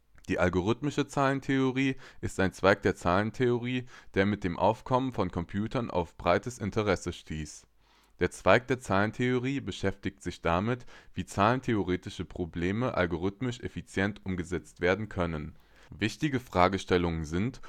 Die algorithmische Zahlentheorie ist ein Zweig der Zahlentheorie, der mit dem Aufkommen von Computern auf breites Interesse stieß. Dieser Zweig der Zahlentheorie beschäftigt sich damit, wie zahlentheoretische Probleme algorithmisch effizient umgesetzt werden können. Wichtige Fragestellungen sind